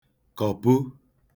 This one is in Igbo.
kọ̀pu